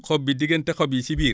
xob bi diggante xob yi si biir